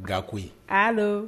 Gakoyi, Allo